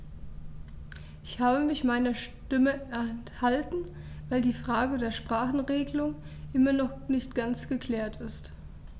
Ich habe mich meiner Stimme enthalten, weil die Frage der Sprachenregelung immer noch nicht ganz geklärt ist.